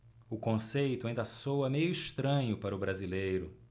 o conceito ainda soa meio estranho para o brasileiro